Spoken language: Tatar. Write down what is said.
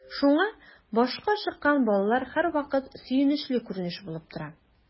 Шуңа “башка чыккан” балалар һәрвакыт сөенечле күренеш булып тора.